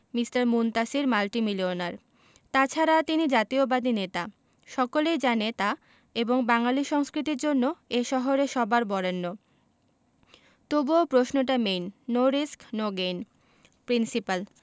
কি বলব sir Mr Muntasir multimillionaire তাছাড়া তিনি জাতীয়বাদী নেতা সকলেই জানে তা এবং বাঙালী সংস্কৃতির জন্য এ শহরে সবার বরেণ্য তবুও প্রশ্নটা main no risk no gain principal